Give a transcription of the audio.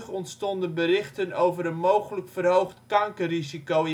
ontstonden berichten over een mogelijk verhoogd kanker-risico